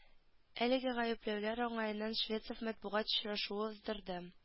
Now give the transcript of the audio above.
Әлеге гаепләүләр уңаеннан швецов матбугат очрашуы уздырды